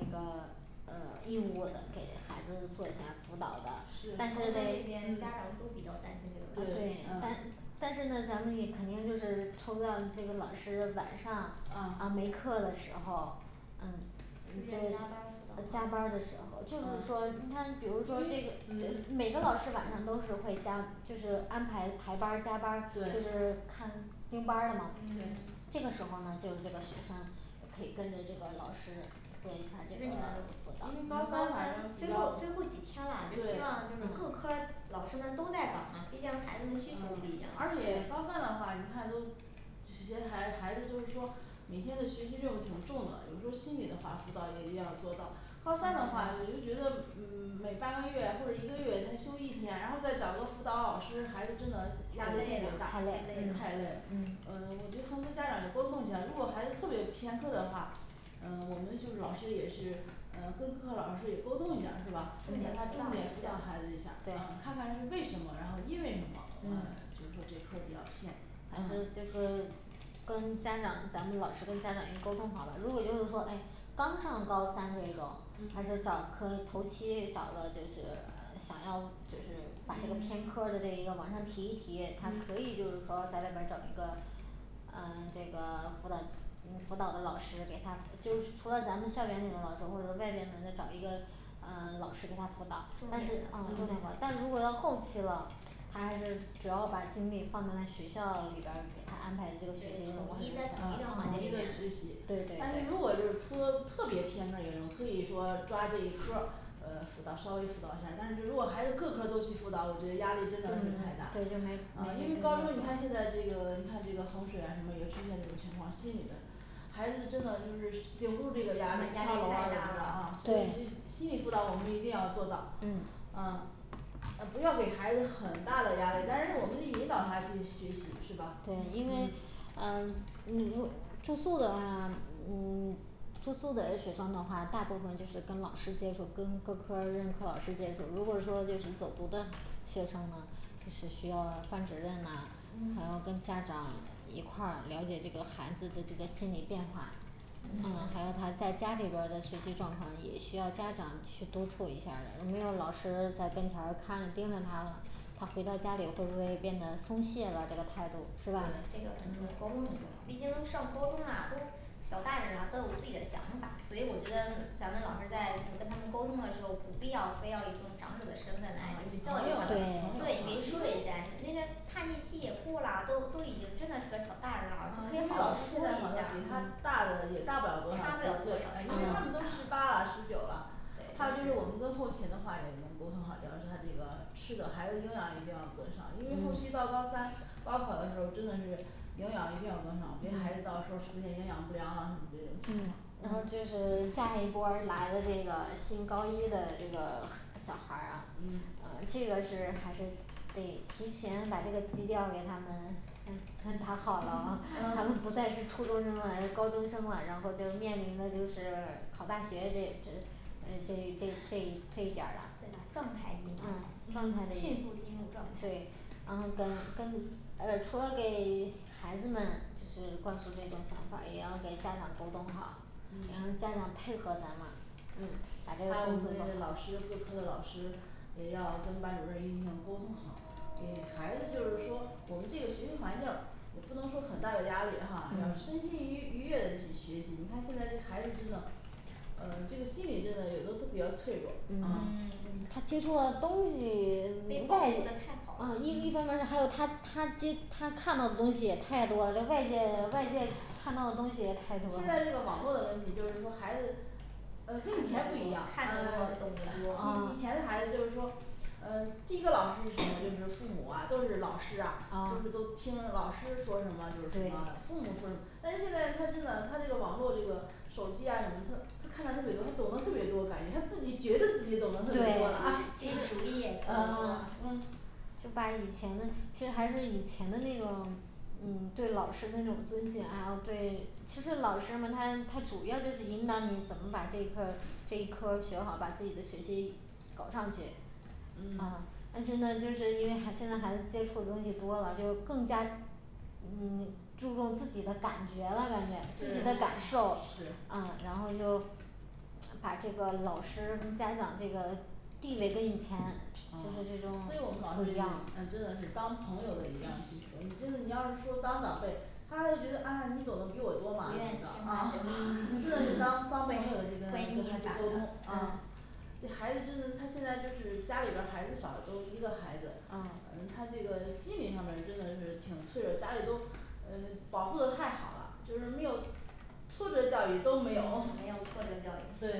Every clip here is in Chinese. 那个呃义务的给孩子做一下辅导的是高三那边家嗯长都比较担心这个对问题嗯但是呢咱们也肯定就是抽到那个老师晚上嗯啊没课的时候嗯自愿加班儿呃辅导加班儿的时候，就是嗯说你看比如说因这为嗯嗯每个老师晚上都是会加就是安排排班儿加班儿就对是看盯班儿的嘛嗯，这个时候呢就有这个学生可以跟着这个老师做一下这个辅导，你们因为高高三三反正比最后较最后几天啦，就希对望就是各科儿老师们都在岗，毕竟孩子的需求不嗯一样，而且高三的话你看都这些孩子孩子都是说每天的学习任务挺重的，有时候心里的话辅导也一定要做到高三的话，我就觉得嗯每半个月或者一个月才休一天，然后再找个辅导老师，孩子真的压太力特累别了，大，太太累累了了嗯嗯我觉得跟家长也沟通一下，如果孩子特别偏科的话嗯我们就是老师也是嗯跟各科老师也沟通一下是吧？让他重重点点辅辅导孩子一下导儿，对嗯看看是为什么，然后因为什么？嗯嗯就是说这科儿比较偏嗯嗯就跟跟家长咱们老师跟家长也沟通好了如果就是说唉刚上高三这种还是嗯找科头期找个就是呃想要就是把这个嗯偏科儿的这一个往上提一提，他嗯可以就是说在那边儿找一个啊这个辅导嗯辅导的老师给他，就是除了咱们校园里面老师或者是外边的人再找一个呃老师给他辅导重，但是点的嗯重点嗯的，但如果要后期了他还是主要把精力放在那学校里边儿，给他安排的统一在统啊一的环统境里一的面学习对对，但是对如果就是特特别偏科儿严重，可以说抓这一科儿呃辅导稍微辅导一下，但是如果孩子各科儿都去辅导，我觉得压力真的是太大啊因为高中你看现在你看这个衡水啊什么也出现这种情况心理的压力太大了，对嗯呃不要给孩子很大的压力，但是我们引导他去学习是吧？对因为啊你如果住宿的话嗯 住宿的学生的话，大部分就是跟老师接触，跟各科任课老师接触，如果说就是走读的学生呢就是需要班主任呢，还要跟家长一块儿了解这个孩子的心理变化他回到家里会不会变得松懈了，这个态度是吧？对这个很重要，沟通很重要，毕竟都上高中啦小大人啦都有自己的想法，所以我觉得咱们老师在就是跟他们沟通的时候，不必要非要以一种长者的身份来啊，那以朋友的，朋友啊啊因为个叛逆期也过啦，都都已经真的是个小大人啦啊，因跟为老老师师，现说在一好多下比他大的也大不了多少几岁因为他们都十八啦十九了他就说我们跟后勤的话也已经沟通主要是他这个是的孩子营养一定要跟上因为后期到高三高考的时候真的是营养一定要跟上，别孩子到时候出现营养不良啊什么这种情况，嗯然后就是下一波儿来的这个新高一的这个小孩啊这个是得提前把基调给他们看他好了，他们不再是初中生了高中生了，然后就面临着就是考大学这嗯嗯这这这这一点儿的，对吧状态也迅速进入状态对。然后跟跟呃除了给孩子们是灌输这种想法，也要给家长沟通好你让家长配合咱们嗯还有我们的老师，各科的老师也要跟班主任进行沟通好给孩子就是说我们这个学习环境也不能说很大的压力哈，要身心愉愉悦的去学习，你看现在这孩子真的呃这个心理真的有的都比较脆弱嗯嗯嗯 他接触的东西 外啊被保护的太好了一一方面，还有他接他看到的东西也太多了，就外界外界看到的东西也太多，现在这个网络的问题就是说孩子呃跟以前不一样看得多，看得多呃 懂得多以啊以前的孩子就是说嗯第一个老师是什么，就是父母啊都是老师啊就是啊都听老师说什么就是什么对父母说什么，但是现在他真的他这个网络这个手机啊什么他他看的特别多，他懂得特别多，感觉他自己觉得自己懂得特别对多了 自己主意也特别多就把以前的其实还是以前的那种对老师的那种尊敬，然后对其实老师们他他主要就是引导你怎么把这一科这一科学好把自己的学习搞上去，嗯嗯而且呢就是因为现在孩子接触东西多了，就更加你注重自己的感觉了，感觉自己对的感受，是啊然后就把这个老师跟家长这个地位跟以前就嗯是这种，所以我们老师也是真的是当朋友的一样去说，你真的你要是说当长辈，他就觉得啊你懂得比我多嘛不什愿意么的听，啊了就 真的是当当朋友的去跟他闺跟蜜他版去沟通的嗯这孩子真的他现在就是家里边儿孩子少，都一个孩子啊嗯他这个心理上面真的是挺脆弱，家里都嗯保护的太好了就是没有挫折教育都没有嗯没有挫折教育 对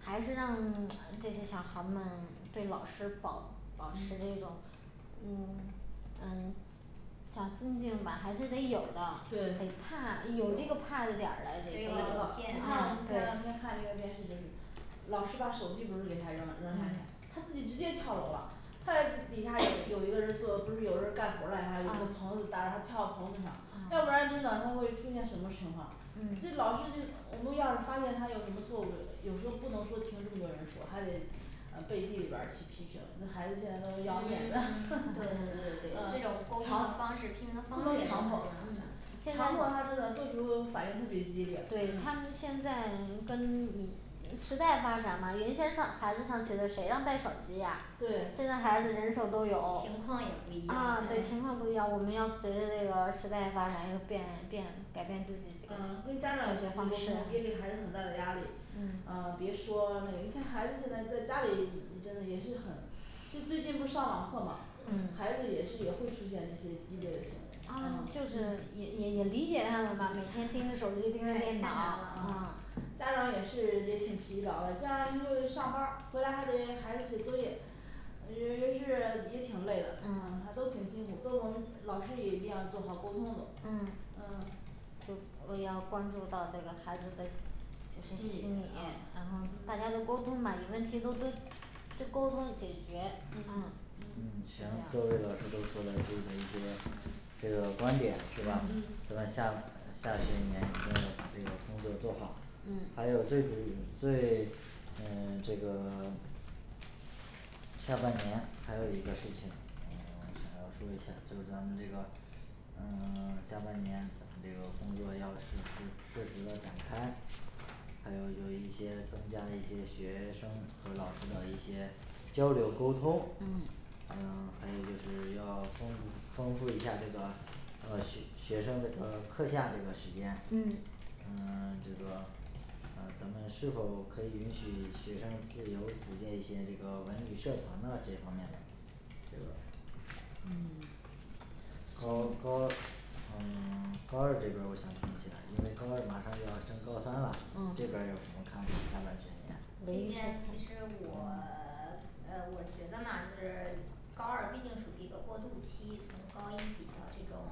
还是让这些小孩儿们对老师保保持这种嗯嗯小尊敬吧还是得有的得对怕有这个怕的点了你看我们前两天看那个电视就是老师把手机不是给他扔扔下去，他自己直接跳楼了，他在底下 有有一个人做，不是有人干活嘞哈，有个啊棚子搭着他跳棚子上要不然真的他会出现什么情况嗯。这老师这我们要是发现他有什么错误，有时候不能说听这么多人说还得呃背地里边儿去批评，这孩子现在嗯 都要面子， 对对对对嗯这种沟通的强方式批评的方不式能也是很重强要迫的强迫他真的做出反应特别激烈，对嗯他们现在跟时代发展嘛，原先上孩子上学的谁让带手机呀，对现在孩子人手都有情况也不，一啊样对情况不一样，我们要随着那个时代发展要变变改变自己，嗯跟家长前去沟通，别给孩子很大的压力。嗯呃别说你看孩子现在在家里真的也是很这最近不是上网课嘛，嗯孩子也是也会出现这些激烈的行为，啊嗯就是也也也理解他们了，每天盯着手机孩子盯着太电难脑了嗯家长也是也挺疲劳，家长他又上班回来还得孩子写作业啊也也是也挺累的，啊嗯还都挺辛苦，都我们老师也一定要做好沟通的嗯呃我们要关注到这个孩子的心心理理嗯然后大家都沟通吧有问题都都就沟通解决，嗯嗯嗯行各位老师都说了一些这些嗯这个观点是吧嗯嗯？咱们下下一学年一点要把这个工作做好嗯还有最低最嗯这个还有半年还有一个事情，嗯想要说一下就是咱们这个嗯 下半年我们这个工作要实实确实地展开还有有一些增加一些学生和老师的一些交流沟通&嗯&嗯还有就是要丰丰富一下这个呃学学生这个课下这个时间嗯嗯这个嗯咱们是否可以允许学生自由组建一些这个文旅社团呢这方面的这个嗯这边其实我 呃我觉得嘛就是高二毕竟属于一个过渡期，从高一比较这种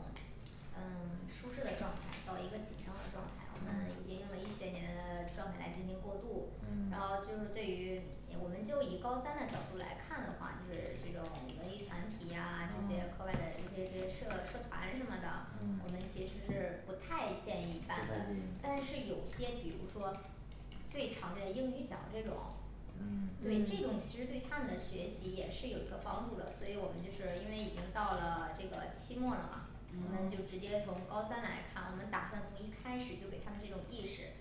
嗯舒适的状态到一个紧张的状态，我们已经用了一学年呃专门来进行过渡。然后就是对于以我们就以高三的角度来看的话，就是这种文艺团体啊这些课外的这些这些社社团什么的我们其实嗯是不太建议不办的，太建议但是有些比如说最常见的英语角这种嗯对这种其实对他们的学习也是有一个帮助的，因为已经到了这个期末了嘛，我们嗯就直接从高三来看，我们打算从一开始就给他们这种意识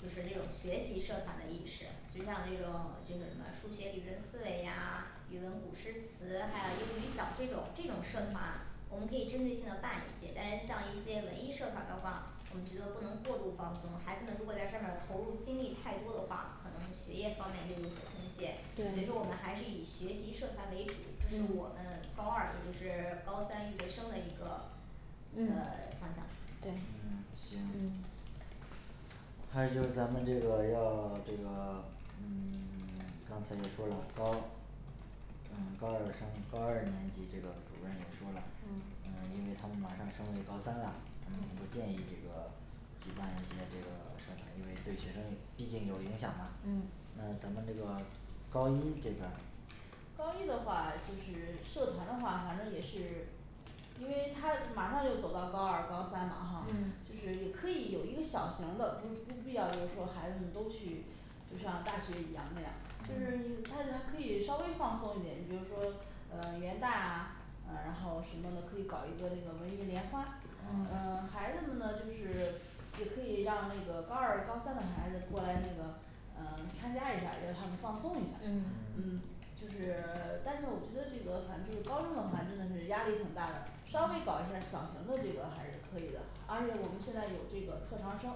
就是这种学习社团的意识，就像这种就是什么数学理论思维啊，语文古诗词，还有英语角这种这种社团我们可以针对性的办一些，但是像一些文艺社团的话我们觉得不能过度放松孩子们，如果在上面投入精力太多的话，可能学业方面就有所松懈，所以说我们还是以学习社团为主这是我们高二也就是高三预备生的一个呃嗯方向对嗯行还有就是咱们这个要这个刚才也说了高呃高二生高二年级这个主任也说了，嗯嗯因为他们马上升入高三了，不建议这个举办一些这个社团因为对学生毕竟有影响嘛，那咱们这个高一这边儿就像大学一样那样，就是他可以稍微放松一点，比如说呃元旦啊，呃然后什么的可以搞一个那个文艺联欢啊，呃孩子们呢就是也可以让那个高二高三的孩子过来那个呃参加一下，让他们放松一下嗯嗯就是 但是我觉得这个反正就是高中的话真的是压力挺大的，稍微搞一下儿小型的这个还是可以的而且我们现在有特长生，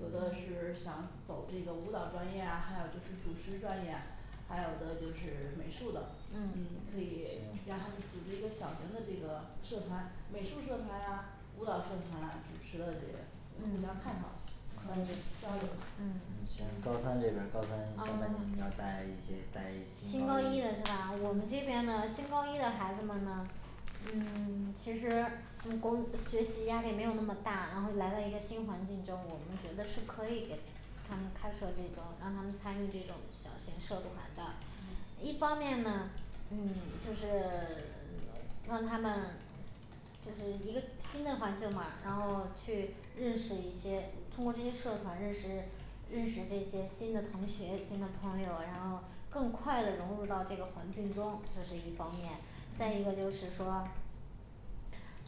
有的是想走这个舞蹈专业啊，还有就是主持专业还有的就是美术的，嗯嗯可以让他们组织一个小型的这个社团美术社团啊舞蹈社团啊主持的这个，就互相探讨一下嗯交流一下嗯行高三这边儿高三下半年要带一些带一新高一的是吧？我们这边呢新高一的孩子们呢嗯 其实我们国学习压力没有那么大然后来到一个新环境中我们觉得是可以啊开设这种让他们参与这种小型社团的嗯一方面呢嗯就是让他们就是一个新的环境嘛，然后去认识一些通过这些社团认识认识这些新的同学，新的朋友，然后更快的融入到这个环境中，这是一方面。再一个就是说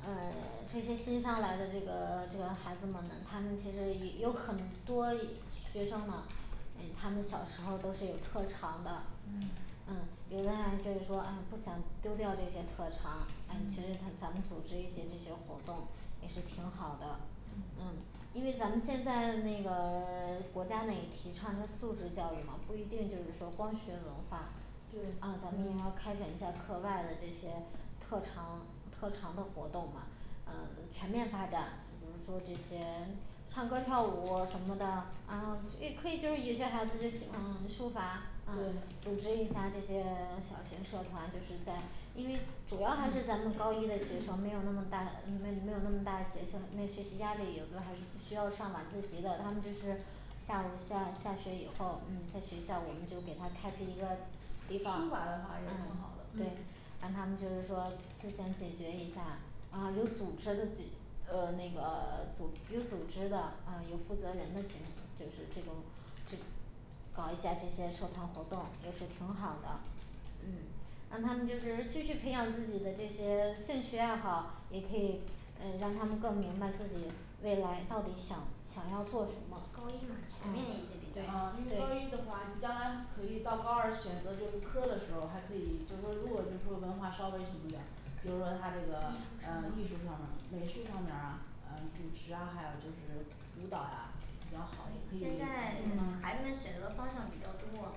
呃这些新上来的这个这个孩子们，他们其实有很多学生呢他们小时候都是有特长的，嗯嗯有的还就是说不想丢掉这些特长其实咱们组织一些这些活动也是挺好的。嗯因为咱们现在那个 国家内提倡的素质教育嘛不一定就是说光学文化对啊咱们也嗯要开展一下课外的这些特长特长的活动嘛啊全面发展比如说这些唱歌儿跳舞什么的，然后也可以就是有些孩子就喜欢书法，啊对组织一下这些小型社团就是在因为主要还是咱们高一的学生没有那么大的没有那么大的学校学习压力，有的还是需要上晚自习的，他们就是下午下下学以后嗯在学校我们就给他开辟一个地书法方的话也挺好，的对，嗯，让他们就是说自行解决一下啊有组织的这 呃那个组有组织的啊，有负责人的情，就是这种就搞一下这些社团活动也是挺好的嗯让他们就是继续培养自己的这些兴趣爱好也可以让他们更明白自己未来到底想想要做什么，高一嘛全面一些比较，呃因为高一的话，你将来可以到高二选择就是科儿的时候还可以，就是说如果就是说文化稍微什么点儿比如说他这个嗯艺术上面美术上面啊主持啊，还有就是舞蹈啊比较好也可现以在，嗯孩子们选择方向比较多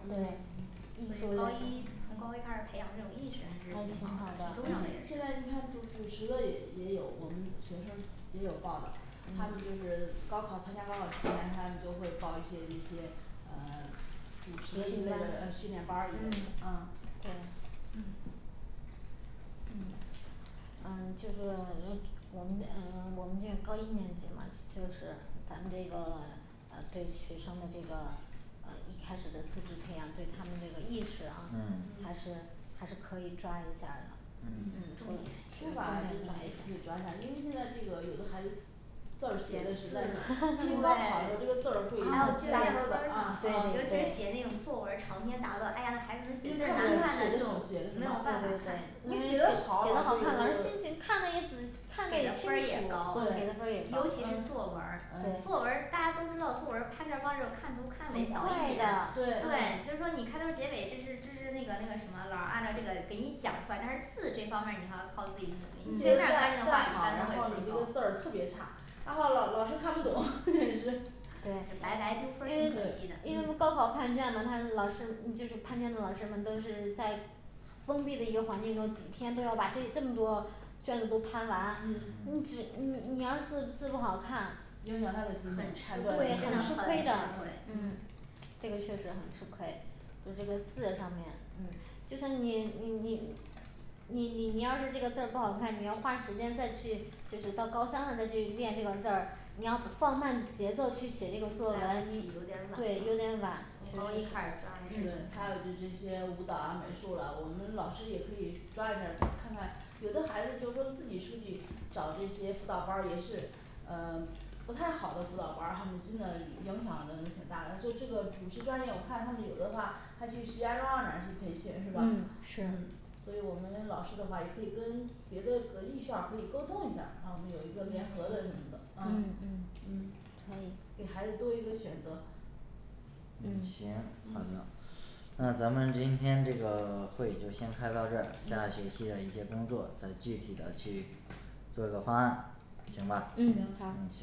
嗯所以高一从高一开始培养这种意识还高是一，挺挺好好的，因的为现现在你看主主持的也也有，我们学生也有报的，他们就是高考参加高考之前，他们就会报一些这些呃主持的一类的呃训练班儿一类嗯的，啊，对嗯嗯嗯嗯就说呃我们的呃我们那个高一年级嘛就是咱们这个呃对学生的这个呃一开始的素质培养，对他们这个意识啊嗯嗯还是还是可以抓一下的。嗯重点书法真的也可以抓一下，因为现在这个有的孩子字儿写得实在是 ，因为高考的时候对这个字儿会还有卷儿加面分儿分的，啊啊你看对对不清他写的是写的什么，你写的好老师呢，尤其写那个对作文长篇大论哎呀孩子你都写的看太不清难他写看的的就是写的什没有办法么看，你写写的的好好看老的心情看得也仔师看的也清楚给的分对儿也高嗯嗯很快的对你写的再再好然后你这个字儿特别差然后老老师看不懂 这对对白白丢分儿挺因可为惜的，因为高考判卷嘛他老师这个判卷的老师们都是在封闭的一个环境中，几天都要把这这么多卷子都判完嗯，你只你你要是字字不好看影响他的很吃亏真的心情很吃吃亏亏的。嗯嗯这个确实很吃亏，就这个字上面嗯就算你你你你你你要是这个字儿不好看，你要花时间再去到高三了再去练这个字儿你要放慢节奏去写这个作文题，对有有点点晚晚，了从高一开始抓对还有就这些舞蹈啊美术了，我们老师也可以抓一下儿看看有的孩子就是说自己出去找这些辅导班儿也是呃不太好的，辅导班儿他们真的影响真的挺大的，就这个主持专业我看他们有的话还去石家庄哪儿去培训是吧？嗯嗯，是所以我们老师的话也可以跟别的个艺校儿可以沟通一下，啊我们有一个联合的什么的啊，嗯嗯嗯可以给孩子多一个选择。嗯行好的。那咱们今天这个会就先开到这儿下嗯学期的一些工作，再具体的去做一个方案，行嗯吧好